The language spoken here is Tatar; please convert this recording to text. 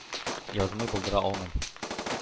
Язмый булдыра алмыйм.